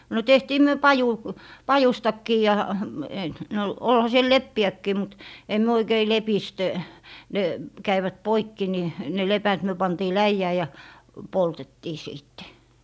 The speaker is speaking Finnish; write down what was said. no tehtiin me - pajustakin ja - no olihan siellä leppiäkin mutta ei me oikein lepistä ne kävivät poikki niin ne lepät me pantiin läjään ja poltettiin sitten